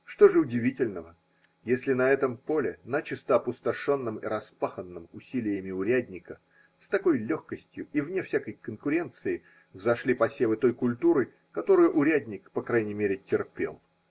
Что же удивительного, если на этом поле, начисто опустошенном и распаханном усилиями урядника, с такой легкостью и вне всякой конкуренции взошли посевы той культуры, которую урядник, по крайней мере, терпел?